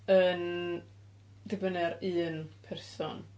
yn dibynnu ar un person.